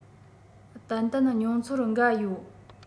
ཏན ཏན མྱོང ཚོར འགའ ཡོད